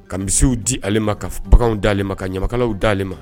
Ka misiw di ale ma ka bagan d'ale ma ka ɲamakalaw dalen'ale ma